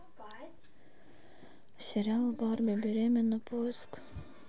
сериал барби беременна поиск